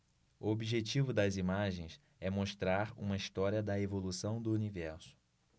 o objetivo das imagens é mostrar uma história da evolução do universo